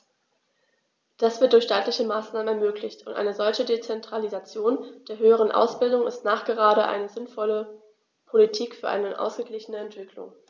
Das wird durch staatliche Maßnahmen ermöglicht, und eine solche Dezentralisation der höheren Ausbildung ist nachgerade eine sinnvolle Politik für eine ausgeglichene Entwicklung.